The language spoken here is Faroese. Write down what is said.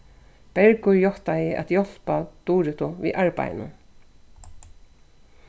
bergur játtaði at hjálpa duritu við arbeiðinum